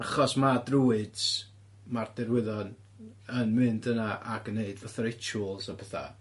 Achos ma' druids, ma'r derwyddon, yn mynd yna ac yn neud fatha rituals ne' petha.